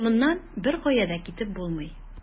Моннан беркая да китеп булмый.